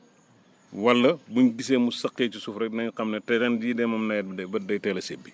wala bu ñu gisee mu saqee ci suuf rek dinañ xam ne te ren jii de moom nawet bi de bët day tell a sébbi